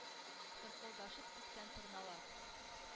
Торкылдашып күктән торналар